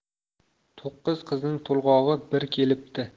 to'qqiz qizning to'lg'og'i bir kelibdi